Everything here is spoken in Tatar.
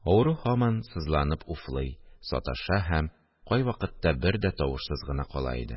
Авыру һаман сызланып уфлый, саташа һәм кайвакытта бер дә тавышсыз гына кала иде